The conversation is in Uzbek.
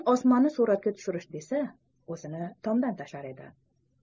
osmonni suratga tushirish desa o'zini tomdan tashlar edi